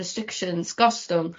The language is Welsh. restrictions gostwng